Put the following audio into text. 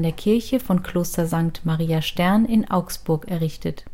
Kirche von Kloster Sankt Maria Stern in Augsburg errichtet